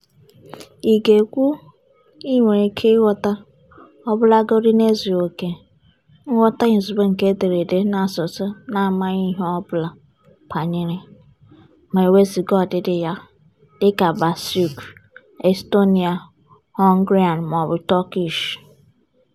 Ị ga-ekwu na ị nwere ike ịghọta - ọbụlagodi n'ezughị oke - nghọta izugbe nke ederede e dere n'asụsụ ị n'amaghị ihe ọ bụla banyere (ma ewezuga ọdịdị ya) dị ka Basque, Estonia, Hungarian maọbụ Turkish?